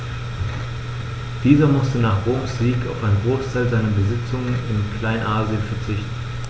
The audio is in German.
Dieser musste nach Roms Sieg auf einen Großteil seiner Besitzungen in Kleinasien verzichten.